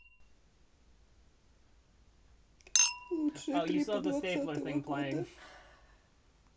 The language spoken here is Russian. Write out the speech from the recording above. лучшие клипы двадцатого года